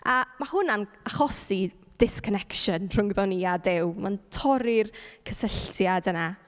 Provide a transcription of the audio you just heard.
A mae hwnna'n achosi disconnection rhyngddo ni a Duw. Mae'n torri'r cysylltiad yna.